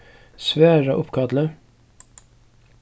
svara uppkalli